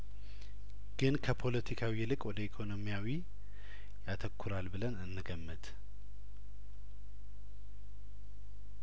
ግን ከፖለቲካው ይልቅ ወደ ኢኮኖሚያዊ ያተኩራል ብለን እንገምት